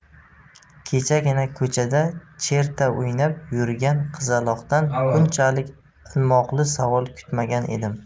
kechagina ko'chada cherta o'ynab yurgan qizaloqdan bunchalik ilmoqli savol kutmagan edim